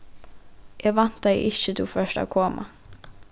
eg væntaði ikki tú fórt at koma